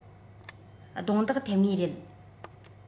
རྡུང རྡེག ཐེབས ངེས རེད